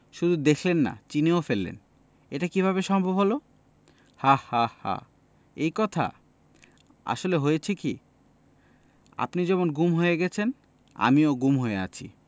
শুধু দেখলেন না চিনেও ফেললেন এটা কীভাবে সম্ভব হলো হা হা হা এই কথা আসলে হয়েছে কি আপনি যেমন গুম হয়ে গেছেন আমিও গুম হয়ে আছি